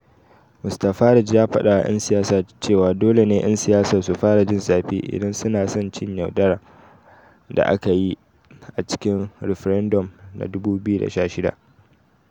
Mr Farage ya fadawa 'yan siyasa cewa dole ne' yan siyasar su fara 'jin zafi' idan su na son cin yaudara da aka yi a cikin referendum na 2016.